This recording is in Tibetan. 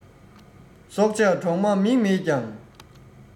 སྲོག ཆགས གྲོག མ མིག མེད ཀྱང